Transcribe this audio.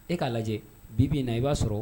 E ka lajɛ bi bi in na i ba sɔrɔ